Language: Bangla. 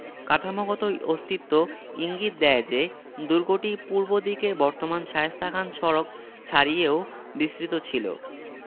কাঠামোগত অস্তিত্ব ইঙ্গিত দেয় যে দুর্গটি পূর্ব দিকে বর্তমান শায়েস্তা খান সড়ক ছাড়িয়েও বিস্তৃত ছিল